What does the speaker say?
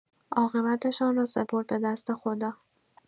عاقبتشان را سپرد به دست خدا.